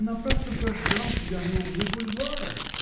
Я напрасно прождал тебя на углу бульвара